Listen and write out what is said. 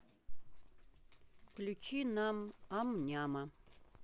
включи нам ам няма